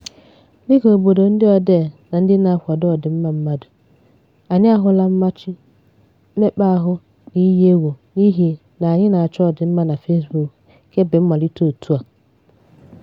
Dịka obodo ndị odee na ndị na-akwado ọdịmma mmadụ, anyị ahụla mmachi, mmekpaahụ na iyi egwu n'ihi na anyị na-achọ ọdịmma na Facebook kemgbe mmalite òtù a.